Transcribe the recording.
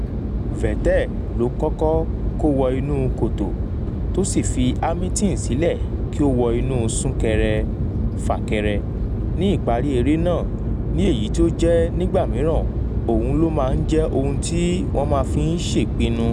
Vettel ló kọ́kọ́ kówọ inú kòtò tó sì fi Hamilton sílẹ̀ kí ó kó wọ inú súnkere-fàkere, ní ìparí eré náà, ní èyí tó jẹ́ pé nígbà mìíràn oùn ló ma ń jẹ́ ohun tí wọ́n má fi ń ṣèpinu.